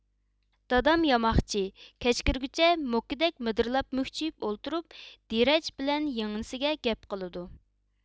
دادام ياماقچى كەچ كىرگۈچە موكىدەك مىدىرلاپ مۈكچىيىپ ئولتۇرۇپ دىرەج بىلەن يىڭنىسىگە گەپ قىلىدۇ